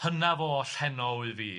Hynaf oll heno wy fi.